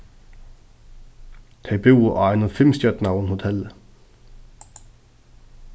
tey búðu á einum fimmstjørnaðum hotelli